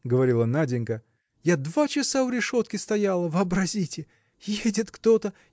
– говорила Наденька, – я два часа у решетки стояла: вообразите! едет кто-то